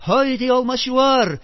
Һайди, Алмачуар!